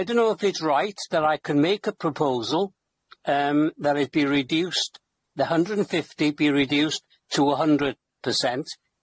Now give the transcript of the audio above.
I dunno know if it's right that I can make a proposal that it be reduced, the hundred and fifty be reduced to a hundred percent.